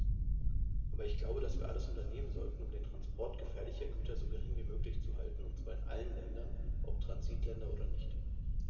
Aber ich glaube, dass wir alles unternehmen sollten, um den Transport gefährlicher Güter so gering wie möglich zu halten, und zwar in allen Ländern, ob Transitländer oder nicht.